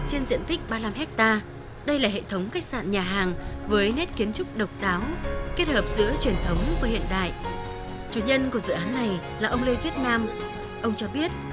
trên diện tích ba lăm héc ta đây là hệ thống khách sạn nhà hàng với nét kiến trúc độc đáo kết hợp giữa truyền thống và hiện đại chủ nhân của dự án này là ông lê viết nam ông cho biết